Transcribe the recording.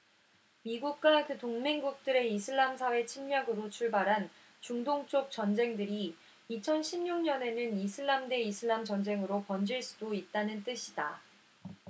미국과 그 동맹국들의 이슬람사회 침략으로 출발한 중동 쪽 전쟁들이 이천 십 육 년에는 이슬람 대 이슬람 전쟁으로 번질 수도 있다는 뜻이다